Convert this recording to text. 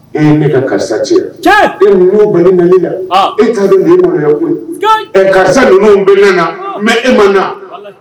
E ne ka karisa ci la e numu bali la e t'aya bolo karisa ninnu bɛ na mɛ e ma na